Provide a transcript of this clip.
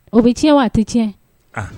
O bɛ tiɲɛ wa tɛ tiɲɛ